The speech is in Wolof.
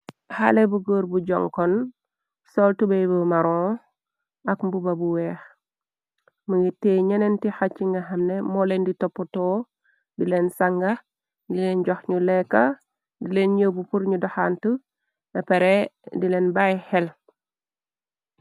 Haale bu góor bu jonkon sol tubey bu maron ak mbuba bu weex mungi tee ñeneenti xacci nga xamne mooleen di toppatoo di leen sànga dileen jox ñu lekka di leen yew bu pur ñu doxaant nepere di leen bàyy xel